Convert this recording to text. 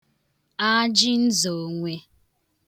ajịn̄zāonwe